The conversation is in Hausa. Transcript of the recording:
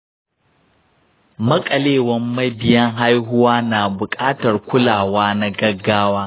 maƙalewan mabiyyan haihuwa na buƙatan kulawa na gaggawa